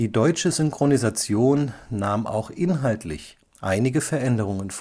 deutsche Synchronisation nahm auch inhaltlich einige Veränderungen